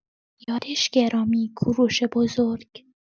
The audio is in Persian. یادش گرامی کوروش بزرگ